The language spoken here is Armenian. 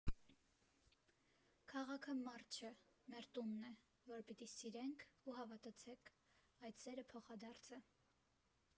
Քաղաքը մարդ չէ՝ մեր տունն է, որ պիտի սիրենք, ու հավատացեք, այդ սերը փոխադարձ է։